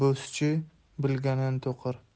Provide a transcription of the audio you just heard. bo'zchi bilganin to'qir